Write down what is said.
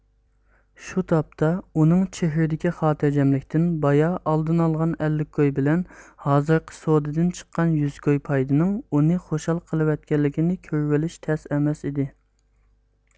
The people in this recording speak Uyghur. شۇ تاپتا ئۇنىڭ چېھرىدىكى خاتىرجەملىكتىن بايا ئالدىن ئالغان ئەللىك كوي بىلەن ھازىرقى سودىدىن چىققان يۈز كوي پايدىنىڭ ئۇنى خۇشال قىلىۋەتكەنلىكىنى كۆرۈۋېلىش تەس ئەمەس ئىدى